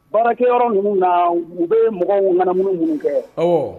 Baarakɛ yɔrɔ ninnu na, u bɛ mɔgɔw ŋanamunu minnu kɛ; Awɔ.